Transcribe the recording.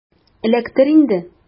Эләктер инде!